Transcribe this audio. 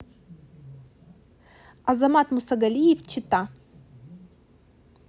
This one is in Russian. азамат мусагалиев чета